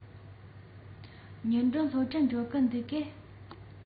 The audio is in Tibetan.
ཉི སྒྲོན སློབ གྲྭར འགྲོ གི འདུག གས